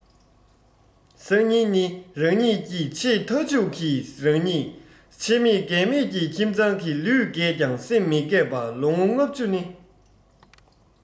སང ཉིན ནི རང ཉིད ཀྱི ཆེས མཐའ མཇུག གི རང ཉིད འཆི མེད རྒས མེད ཀྱི ཁྱིམ ཚང གི ལུས རྒས ཀྱང སེམས མི རྒས པ ལོ ངོ ལྔ བཅུ ནི